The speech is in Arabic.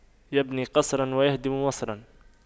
يبني قصراً ويهدم مصراً